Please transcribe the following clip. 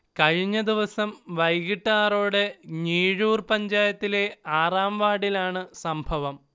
കഴിഞ്ഞദിവസം വൈകീട്ട് ആറോടെ ഞീഴൂർ പഞ്ചായത്തിലെ ആറാം വാർഡിലാണ് സംഭവം